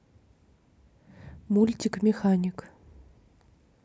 мультик механик